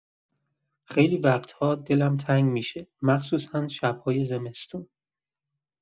خیلی وقت‌ها دلم تنگ می‌شه، مخصوصا شب‌های زمستون.